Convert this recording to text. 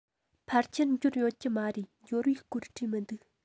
ཕལ ཆེར འབྱོར ཡོད ཀྱི མ རེད འབྱོར བའི སྐོར བྲིས མི འདུག